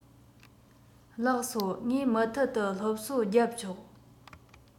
ལགས སོ ངས མུ མཐུད དུ སློབ གསོ རྒྱབ ཆོག